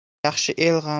yaxshi el g'amida